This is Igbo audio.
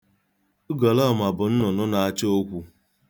Ugolọọma bụ nnụnụ na-achọ okwu.